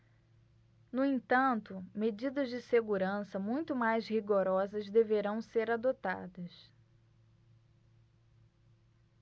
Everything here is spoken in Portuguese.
no entanto medidas de segurança muito mais rigorosas deverão ser adotadas